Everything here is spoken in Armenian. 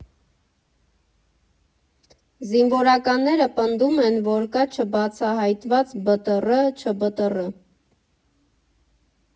Զինվորականները պնդում են, որ կա չբացահայտված ԲՏՌ՝ ՉԲՏՌ։